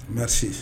N bɛ se